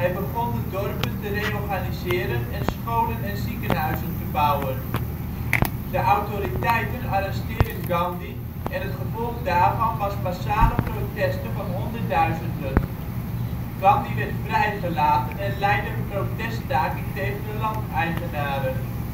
begon de dorpen te reorganiseren en scholen en ziekenhuizen te bouwen. De autoriteiten arresteerden Gandhi en het gevolg daarvan was massale protesten van honderdduizenden. Gandhi werd vrijgelaten en leidde een proteststaking tegen de landeigenaren